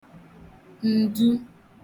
ǹdu